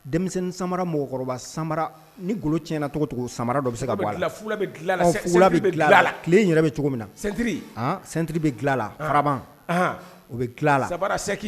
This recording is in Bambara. Denmisɛnnin samara mɔgɔkɔrɔba samara ni golo tiɲɛna cogo cogo samara dɔ bɛ se tile yɛrɛ bɛ cogo min natiritiriri bɛ dilanlaban u bɛ dilanla sabara